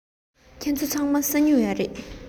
ཁྱེད ཚོ ཚང མར ས སྨྱུག ཡོད རེད